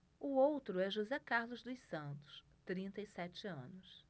o outro é josé carlos dos santos trinta e sete anos